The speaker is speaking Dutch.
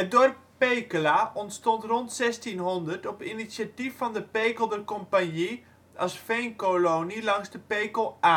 dorp Pekela ontstond rond 1600 op initiatief van de Pekelder Compagnie als veenkolonie langs de Pekel A